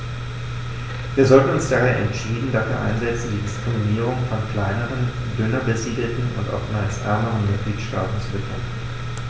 Wir sollten uns daher entschieden dafür einsetzen, die Diskriminierung von kleineren, dünner besiedelten und oftmals ärmeren Mitgliedstaaten zu bekämpfen.